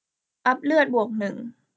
อัพเลือดบวกหนึ่ง